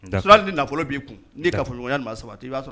Su ni nafolo b'i fɔ ɲɔgɔn maa'